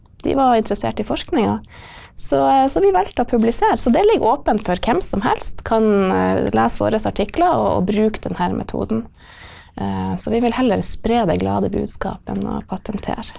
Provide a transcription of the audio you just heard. de var interessert i forskning, så så vi valgte å publisere, så det ligger åpent for hvem som helst kan lese våre artikler og og bruke den her metoden, så vi vil heller spre det glade budskap enn å patentere.